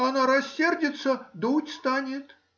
— она рассердится — дуть станет.